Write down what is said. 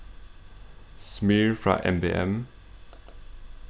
smyr frá mbm